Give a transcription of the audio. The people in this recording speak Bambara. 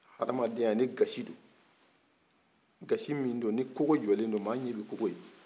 adamadenya ni gasi do gasi min ni koko do maa ɲɛ bɛ koko ye